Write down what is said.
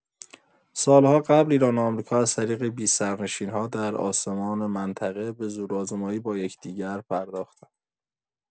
سال‌ها قبل ایران و آمریکا از طریق بی‌سرنشین‌ها در آسمان منطقه به زورآزمایی با یکدیگر پرداختند.